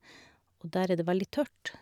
Og der er det veldig tørt.